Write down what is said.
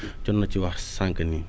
jot na ci wax sànq nii